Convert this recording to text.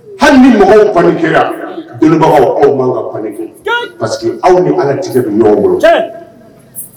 Hali ni mɔgɔw pankɛ yan bolobagaw aw' ka pan kɛ pa aw ni ala tigɛ don ɲɔgɔn bolo